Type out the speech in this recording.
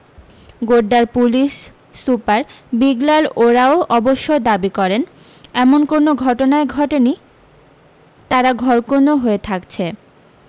গোড্ডার police super Biglal Oraon অবশ্য দাবি করেন এমন কোনও ঘটনাই ঘটেনি তারা ঘরকূনো হয়ে থাকছে